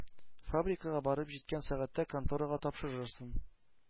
Фабрикага барып җиткән сәгатьтә конторага тапшырырсың.